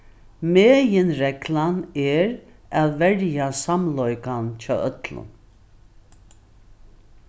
meginreglan er at verja samleikan hjá øllum